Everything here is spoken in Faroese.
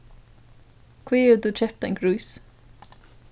hví hevur tú keypt ein grís